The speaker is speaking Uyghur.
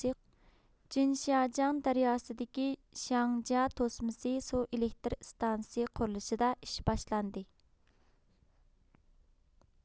جىنشاجياڭ دەرياسىدىكى شياڭجيا توسمىسى سۇ ئېلېكتر ئىستانسىسى قۇرۇلۇشىدا ئىش باشلاندى